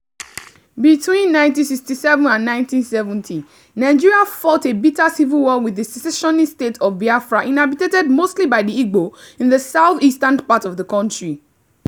Between 1967 and 1970, Nigeria fought a bitter civil war with the secessionist state of Biafra inhabited mostly by the Igbo in the southeastern part of the country.